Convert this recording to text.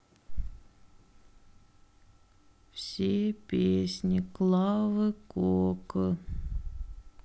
все песни клавы коки